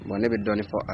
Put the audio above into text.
Wa ne bɛ dɔnɔni fɔ